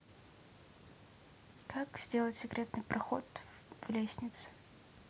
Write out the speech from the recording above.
как сделать секретный проход в лестнице